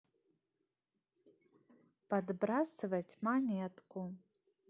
подбрасывать монетку